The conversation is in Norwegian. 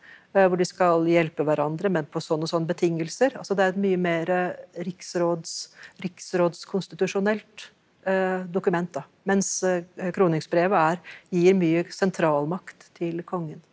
hvor de skal hjelpe hverandre men på sånn og sånn betingelser altså det er et mye mer riksråds riksrådskonstitusjonelt dokument da mens kroningsbrevet er gir mye sentralmakt til kongen.